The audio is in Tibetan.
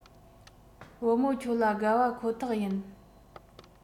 བུ མོ ཁྱོད ལ དགའ བ ཁོ ཐག ཡིན